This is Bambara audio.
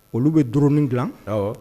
Olu bɛ duurunin dilan